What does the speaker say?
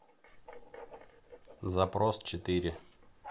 запрос четыре